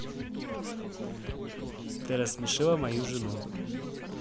ты рассмешила мою жену